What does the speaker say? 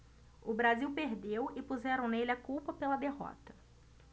o brasil perdeu e puseram nele a culpa pela derrota